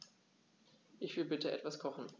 Ich will bitte etwas kochen.